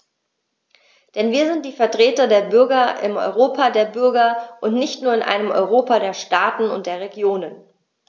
Denn wir sind die Vertreter der Bürger im Europa der Bürger und nicht nur in einem Europa der Staaten und der Regionen.